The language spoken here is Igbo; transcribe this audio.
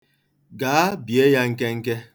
Gaa, bie ya nkenke.